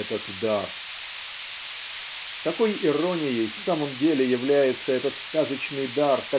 этот дар?" Какой иронией в самом деле является этот сказочный дар